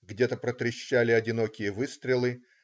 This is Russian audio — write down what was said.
Где-то протрещали одинокие выстрелы.